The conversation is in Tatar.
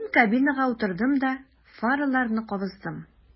Мин кабинага утырдым да фараларны кабыздым.